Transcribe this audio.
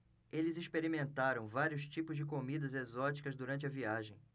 eles experimentaram vários tipos de comidas exóticas durante a viagem